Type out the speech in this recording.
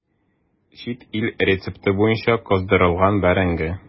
Чит ил рецепты буенча кыздырылган бәрәңге.